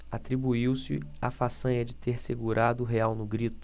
atribuiu-se a façanha de ter segurado o real no grito